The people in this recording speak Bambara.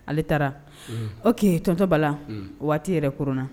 Ale taara o tɔnontɔba la waati yɛrɛurun na